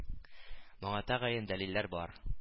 Моңа тәгаен дәлилләр бар